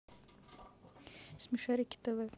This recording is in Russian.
смешарики тв